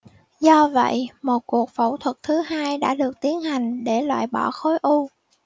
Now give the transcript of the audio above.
do vậy một cuộc phẫu thuật thứ hai đã được tiến hành để loại bỏ khối u